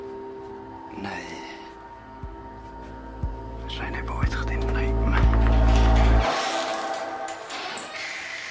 Neu alla'i neud bywyd chdi'n nightmare.